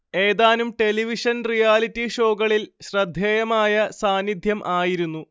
ഏതാനും television reality ഷോകളിൽ ശ്രദ്ധേയമായ സാന്നിദ്ധ്യം ആയിരുന്നു